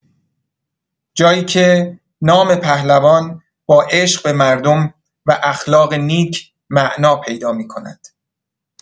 جایی که نام پهلوان با عشق به مردم و اخلاق نیک معنا پیدا می‌کند.